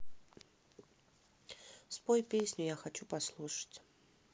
спой песню я хочу послушать